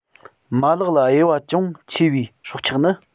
མ ལག ལ དབྱེ བ ཅུང ཆེ བའི སྲོག ཆགས ནི